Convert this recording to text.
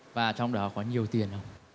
và trong đó có nhiều tiền không